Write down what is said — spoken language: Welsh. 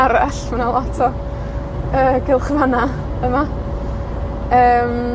arall. Ma' lot o, yy, gylchfanna yma. Yym.